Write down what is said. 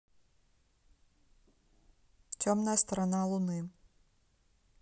темная сторона луны